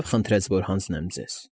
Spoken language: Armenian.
Խնդրեց, որ հանձնեմ ձեզ։